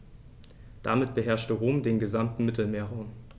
Damit beherrschte Rom den gesamten Mittelmeerraum.